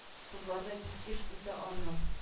Кызлар да бик еш үтә аннан